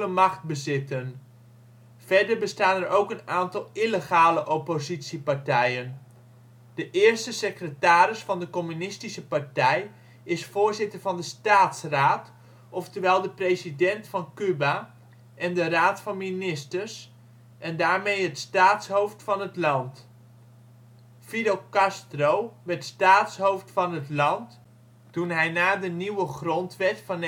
macht bezitten. Verder bestaan er ook een aantal illegale oppositiepartijen. De eerste secretaris van de communistische partij is voorzitter van de staatsraad oftewel de president van Cuba en de raad van ministers, en daarmee het staatshoofd van het land. Fidel Castro werd staatshoofd van het land toen hij na de nieuwe grondwet van